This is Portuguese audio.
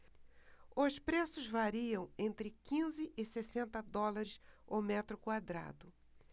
os preços variam entre quinze e sessenta dólares o metro quadrado